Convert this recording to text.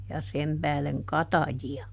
ja sen päälle katajia